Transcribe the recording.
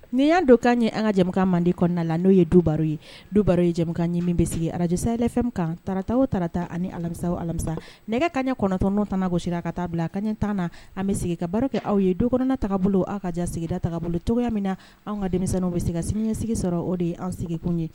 Nini y'a don k kaa ɲɛ an ka jamana mande kɔnɔna la n'o ye du baro ye du baro ye jamana ɲɛ min bɛ sigi arajsa lɛfɛn kan tata o tata ani alamisa alamisa nɛgɛ ka ɲɛ kɔnɔntɔn tɛnagosi ka taa bila a ka ɲɛtan na an bɛ sigi ka baro kɛ aw ye don kɔnɔnataa bolo aw ka jadataa bolo cogoya min na an ka denmisɛnnin denmisɛnww bɛ se ka sinisigi sɔrɔ o de ye an sigikun ye